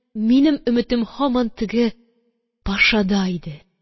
Минем өметем һаман теге пашада иде